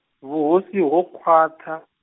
vhuhosi ho khwaṱha.